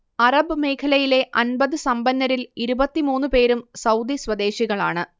Arab മേഖലയിലെ അൻപത് സമ്പന്നരിൽ ഇരുപത്തിമൂന്നു പേരും സൗദി സ്വദേശികളാണ്